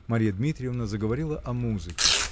Марья Дмитриевна заговорила о музыке.